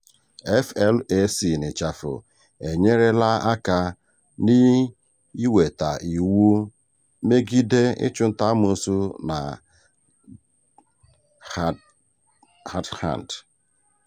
FLAC enyereela aka n'iweta iwu megide ịchụnta-amoosu na Jharkhand.